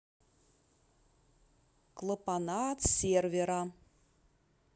клапана от сервера